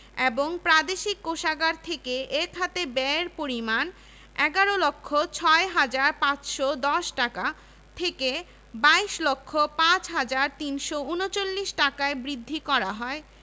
১ লক্ষ ৫৪ হাজার ৩৫৮ টাকা অবস্থার উন্নতির ফলে ওই সংখ্যা দাঁড়িয়েছে ২ হাজার ৫৬০ ছাত্রছাত্রীতে